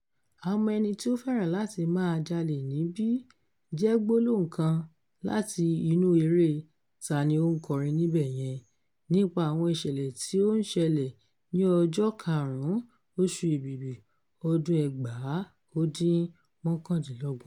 "A mọ ẹni tí ó fẹ́ràn láti máa jalè níbí" jẹ́ gbólóhùn kan láti inú eré "Ta ni ó ń kọrin níbẹ̀ yẹn!" nípa àwọn ìṣẹ̀lẹ̀ tí ó ń ṣẹlẹ̀ ní ọjọ́ 5, oṣù Èbìbí ọdún 1971.